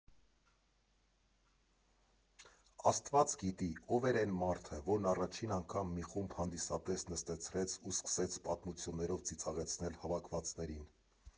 Աստված գիտի՝ ով էր էն մարդը, որն առաջին անգամ մի խումբ հանդիսատես նստեցրեց ու սկսեց պատմություններով ծիծաղեցնել հավաքվածներին.